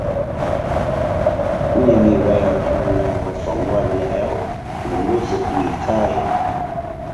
ไม่มีแรงทำงานมาสองวันแล้วเหมือนรู้สึกมีไข้